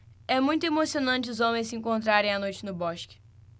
é muito emocionante os homens se encontrarem à noite no bosque